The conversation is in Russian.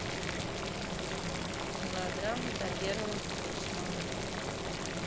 мелодрама за первого встречного